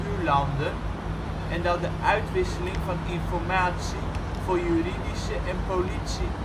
EU-landen en dat de uitwisseling van informatie voor juridische - en politie